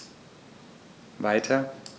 Weiter.